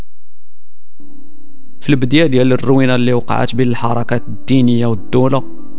البديل رومن اللي وقعت بين الحركتين